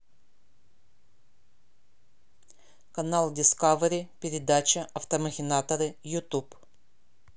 канал дискавери передача автомахинаторы ютуб